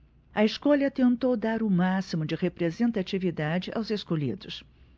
a escolha tentou dar o máximo de representatividade aos escolhidos